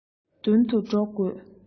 མདུན དུ འགྲོ དགོས